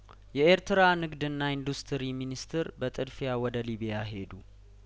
የኤርትራ ንግድና ኢንዱስትሪ ሚኒስትር በጥድፊያ ወደ ሊቢያ ሄዱ